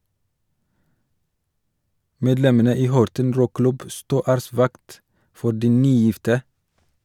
Medlemmene i Horten roklubb sto æresvakt for de nygifte.